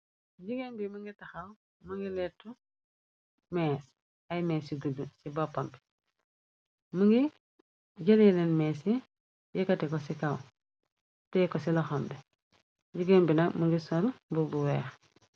Jigéen bi më ngi taxaw më ngi leetu mées ay mées ci gudd ci boppam bi më ngi jële leen mees ci yekaté ko ci kaw te ko ci loxambe jigéen bi nag më ngi sol bu bu weex.